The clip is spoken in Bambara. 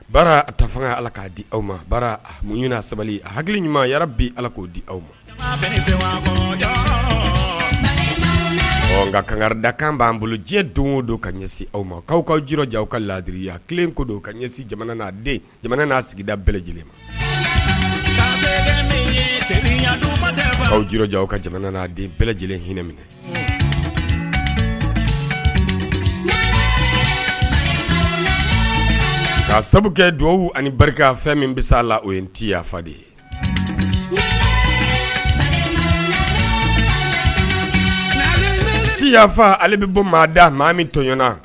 Baara ta fanga ala k'a di aw ma baara muɲ sabali hakili ɲuman bi ala k'o di aw ma nka kanda kan b'an bolo diɲɛ don don ka ɲɛsin aw ma aw ka jiri ja aw ka laadiriyaya a kelen ko don ka ɲɛ jamana n'a jamana n'a sigida bɛɛ lajɛlen ma ka jamana n'a bɛɛ lajɛlen hinɛminɛ sabu kɛ dugawu ani barika fɛn min bɛ la o ye ti yafafa de ye ci yafafa ale bɛ bɔ maa da maa min toɲna